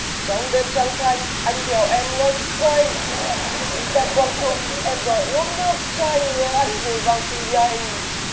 trong đêm trăng thanh anh đèo em loanh quanh đi ra quang trung em đòi uống nước chanh anh vội vàng phi nhanh